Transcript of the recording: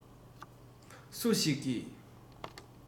སུ ཞིག གིས